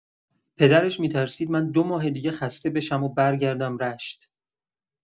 پدرش می‌ترسید من دو ماه دیگه خسته بشم و برگردم رشت.